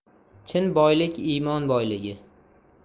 chin boylik imon boyligi